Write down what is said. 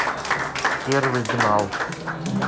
первый гнал